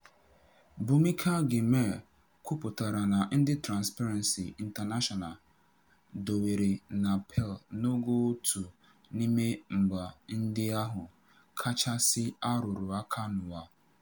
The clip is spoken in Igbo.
Bhumika Ghimire kwupụtara na ndị Transparency International dowere Nepal n'ogo otu n'ime mba ndị ahụ kachasị a rụrụ aka n'ụwa.